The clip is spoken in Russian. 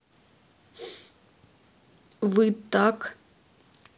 вы так